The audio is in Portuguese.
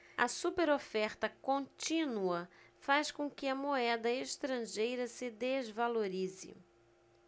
a superoferta contínua faz com que a moeda estrangeira se desvalorize